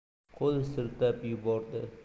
qo'l siltab yubordi